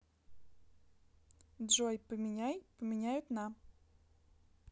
джой поменяй поменяют на